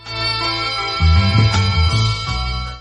San